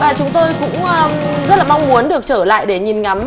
và chúng tôi cũng rất là mong muốn được trở lại để nhìn ngắm